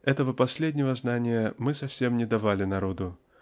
Этого последнего знания мы совсем не давали народу